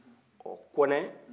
ɔɔ kɔne